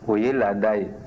o ye laada ye